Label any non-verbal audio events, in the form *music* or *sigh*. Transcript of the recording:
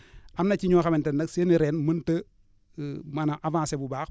*breath* am na ci ñoo xamante ne nag seen i reen mënut a *hesitation* maanaam avancer bu baax